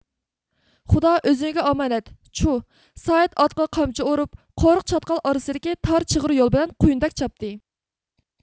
خۇدا ئۆزۈڭگە ئامانەت چۇھ سايىت ئاتقا قامچا ئۇرۇپ قورۇق چاتقال ئارىسىدىكى تار چىغىر يول بىلەن قۇيۇندەك چاپتى